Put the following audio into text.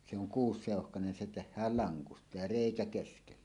se on kuusiseuhkainen se tehdään lankusta ja reikä keskelle